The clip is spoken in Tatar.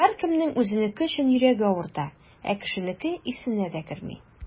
Һәркемнең үзенеке өчен йөрәге авырта, ә кешенеке исенә дә керми.